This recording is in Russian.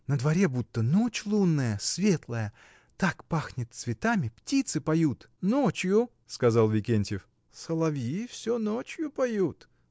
На дворе будто ночь лунная, светлая, так пахнет цветами, птицы поют. — Ночью? — сказал Викентьев. — Соловьи всё ночью поют!